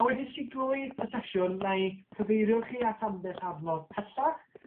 A wedyn jyst i gloi y sesiwn nâi cyfeirio chii at ambell adnodd pellach.